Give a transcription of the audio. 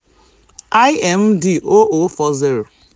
IMD_0040